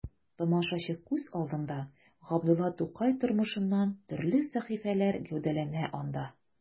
Тамашачы күз алдында Габдулла Тукай тормышыннан төрле сәхифәләр гәүдәләнә анда.